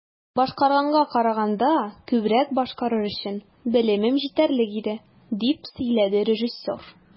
"башкарганга караганда күбрәк башкарыр өчен белемем җитәрлек иде", - дип сөйләде режиссер.